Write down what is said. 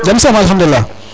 jam som alkhamdulila